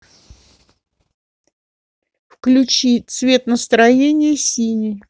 включи цвет настроения синий